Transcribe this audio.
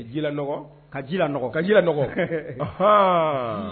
Ka ji lanɔgɔ ka ji lanɔgɔ ka ji lanɔgɔ anhan